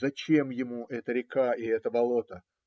Зачем ему эта река и это болото?